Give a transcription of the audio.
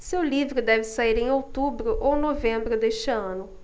seu livro deve sair em outubro ou novembro deste ano